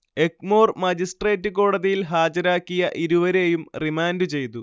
Egmore magistrate കോടതിയിൽ ഹാജരാക്കിയ ഇരുവരെയും റിമാൻഡ് ചെയ്തു